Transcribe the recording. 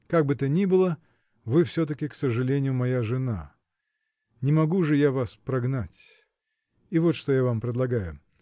-- Как бы то ни было -- вы все-таки, к сожалению, моя жена. Не могу же я вас прогнать. и вот что я вам предлагаю.